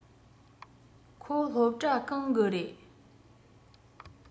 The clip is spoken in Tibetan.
ཁོ སློབ གྲྭ གང གི རེད